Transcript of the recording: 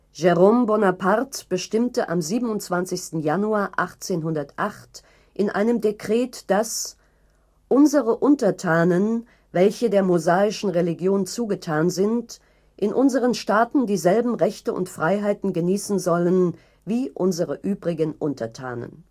Jérôme Bonaparte bestimmte am 27. Januar 1808 in einem Dekret, dass „... unsere Untertanen, welche der Mosaischen Religion zugetan sind, […] in unseren Staaten dieselben Rechte und Freiheiten genießen [sollen] wie Unsere übrigen Untertanen